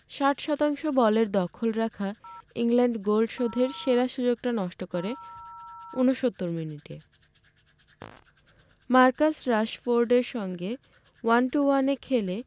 ৬০ শতাংশ বলের দখল রাখা ইংল্যান্ড গোল শোধের সেরা সুযোগটা নষ্ট করে ৬৯ মিনিটে মার্কাস রাশফোর্ডের সঙ্গে ওয়ান টু ওয়ানে খেলে